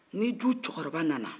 n'i du cɛkɔrɔba nana